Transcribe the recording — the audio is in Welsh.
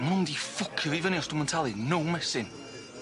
Ma' nw'n mynd i ffwcio fi fyny os dwi'm yn talu. No messing.